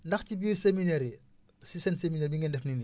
ndax ci biir séminaire yi si seen séminaire yi ngeen def nii nii